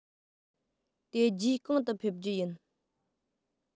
དེ རྗེས གང དུ ཕེབས རྒྱུ ཡིན